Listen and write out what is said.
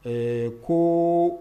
Ɛɛ ko